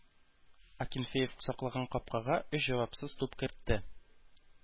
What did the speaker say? Акинфеев саклаган капкага өч җавапсыз туп кертте.